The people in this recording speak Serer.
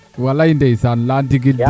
walaly ndeysaan laya ndigil de